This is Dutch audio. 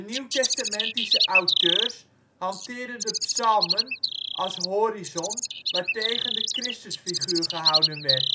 Nieuwtestamentische auteurs hanteerden de psalmen als horizon waartegen de Christusfiguur gehouden werd.